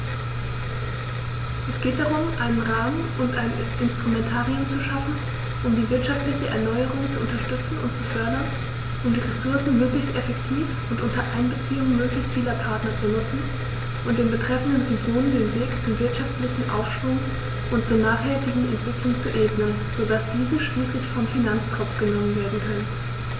Es geht darum, einen Rahmen und ein Instrumentarium zu schaffen, um die wirtschaftliche Erneuerung zu unterstützen und zu fördern, um die Ressourcen möglichst effektiv und unter Einbeziehung möglichst vieler Partner zu nutzen und den betreffenden Regionen den Weg zum wirtschaftlichen Aufschwung und zur nachhaltigen Entwicklung zu ebnen, so dass diese schließlich vom Finanztropf genommen werden können.